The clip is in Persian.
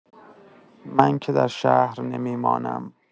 من که در شهر نمی‌مانم.